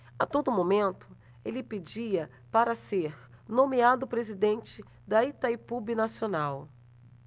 a todo momento ele pedia para ser nomeado presidente de itaipu binacional